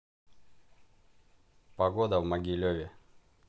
погода в могилеве